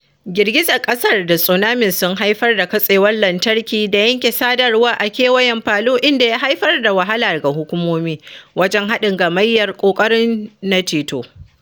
Girgizar ƙasar da tsunamin sun haifar da katsewar lantarki da yanke sadarwa a kewayen Palu inda ya haifar da wahala ga hukumomi wajen haɗin gamayyar ƙoƙarin na ceto.